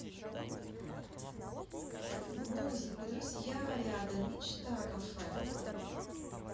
музыку друзья рядом мечта кафе